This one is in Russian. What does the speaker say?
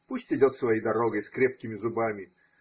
Пусть идет своей дорогой с крепкими зубами.